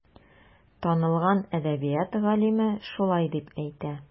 Танылган әдәбият галиме шулай дип әйтә.